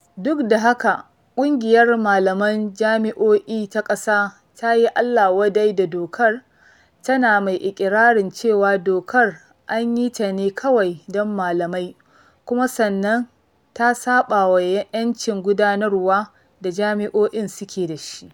Duk da haka, ƙungiyar Malaman Jami'o'i ta ƙasa ta yi Allah wadai da dokar, tana mai iƙirarin cewa dokar an yi ta ne kawai don malamai kuma sannan ta saɓawa 'yancin gudanarwa da jami'o'in suke da shi.